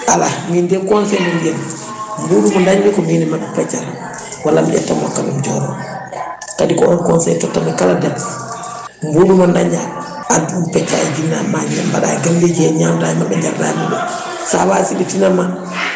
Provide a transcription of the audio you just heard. ala min de conseil mo jeymi ɓuuɗu ngu dañmi ko min e mabɓe peccata walla mi ƴetta mi hokkaɓe mi jooɗo kadi ko on conseil tottanmi kala debbo ɓuuɗu mo dañɗa addu pecca e jinnaɓe ma mbaɗa e galleji he ñamda e mabɓe daña baraji sa waasi ɓe tinanma